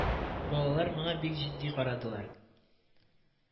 Балалар моңа бик җитди карадылар